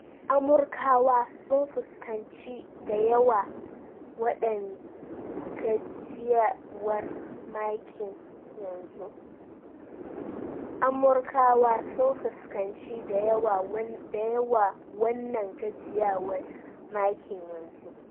Amurkawa sun fuskanci da yawa wannan gajiyawar makin yanzu.